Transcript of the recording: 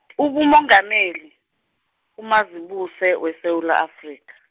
ubumongameli, uMazibuse weSewula Afrika.